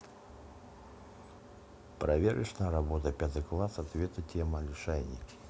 проверочная работа пятый класс ответы тема лишайники